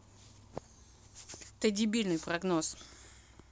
ты дебильный прогноз